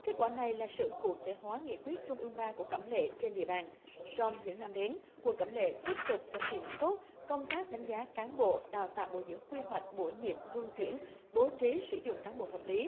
kết quả này là sự cụ thể hóa nghị quyết trung ương ba của cẩm lệ trên địa bàn trong những năm đến quận cẩm lệ tiếp tục thực hiện tốt công tác đánh giá cán bộ đào tạo bồi dưỡng quy hoạch bổ nhiệm luân chuyển bố trí sử dụng cán bộ hợp lý